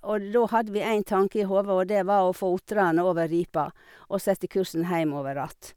Og da hadde vi én tanke i hodet, og det var å få otrene over ripa og sette kursen heimover att.